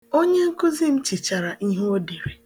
Onyenkụzi m chichara ihe o dere